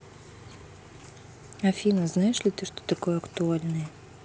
афина знаешь ли что такое актуальные